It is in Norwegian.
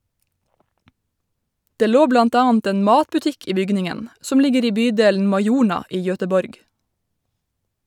Det lå blant annet en matbutikk i bygningen, som ligger i bydelen Majorna i Göteborg.